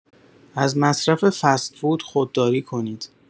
از مصرف فست‌فود خودداری کنید.